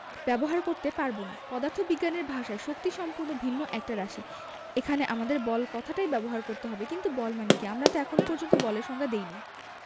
ব্যবহার করতে পারব না পদার্থবিজ্ঞানের ভাষায় শক্তি সম্পূর্ণ ভিন্ন একটা রাশি এখানে আমাদের বল কথাটাই ব্যবহার করতে হবে কিন্তু বল মানে কী আমরা তো এখন পর্যন্ত বলের সংজ্ঞা দিইনি